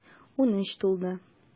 Унөч тулды.